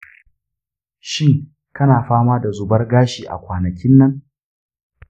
shin kana fama da zubar gashi a kwanakin nan?